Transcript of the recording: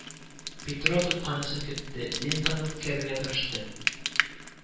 Петро тотканы селкетте, лентаны үткәрергә тырышты